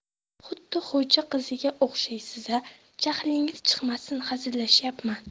xuddi xo'ja qiziga o'xshaysiz a jahlingiz chiqmasin hazillashyapman